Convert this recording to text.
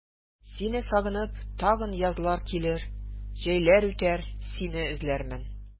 Сине сагынып тагын язлар килер, җәйләр үтәр, сине эзләрмен.